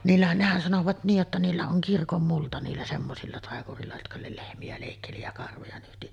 niillähän nehän sanoivat niin jotta niillä on kirkonmulta niillä semmoisilla taikureilla jotka - lehmiä leikkeli ja karvoja nyhti